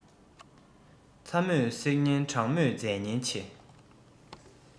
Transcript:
ཚ མོས བསྲེག ཉེན གྲང མོས རྫས ཉེན ཆེ